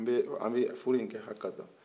an bɛ furu in kɛ haka kan